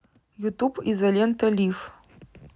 ютуб изолента лив